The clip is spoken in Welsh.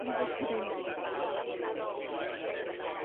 Dwi'm yn deud chi be' i neud cofiwch hmm mae o fan 'na.